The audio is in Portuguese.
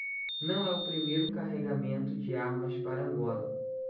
não é o primeiro carregamento de armas para angola